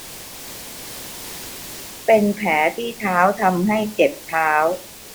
เป็นแผลที่เท้าทำให้เจ็บเท้า